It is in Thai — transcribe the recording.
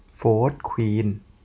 โฟธควีน